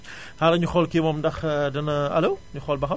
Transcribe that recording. xaaral ñu xool kii moom ndax dana allo ñu xool ba xam